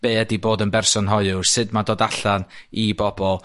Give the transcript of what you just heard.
be' ydi bod yn berson hoyw? Sud ma' dod allan i bobol.